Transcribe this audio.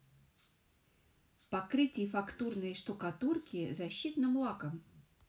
покрытие фактурной штукатурки защитным лаком